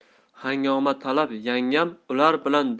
hangomatalab yangam ular bilan